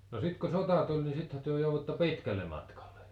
no sitten kun sota tuli niin sittenhän te jouduitte pitkälle matkalle